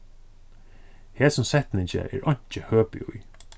hesum setningi er einki høpi í